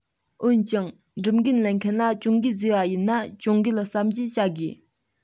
འོན ཀྱང སྒྲུབ འགན ལེན མཁན ལ གྱོང གུན བཟོས པ ཡིན ན གྱོང གུན གསབ འཇལ བྱ དགོས